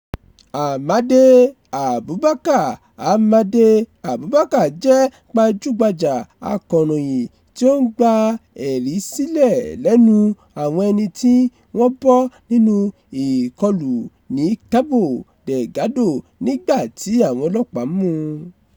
Amade Abubacar Amade Abubacar jẹ́ gbajúgbajà akọ̀ròyìn tí ó ń gba ẹ̀rí sílẹ̀ lẹ́nu àwọn ẹni tí wọ́n bọ́ nínú ìkọlù ní Cabo Delgado nígbà tí àwọn ọlọ́pàá mú un.